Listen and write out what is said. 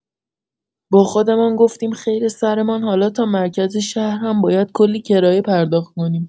با خودمان گفتیم خیر سرمان حالا تا مرکز شهر هم باید کلی کرایه پرداخت کنیم.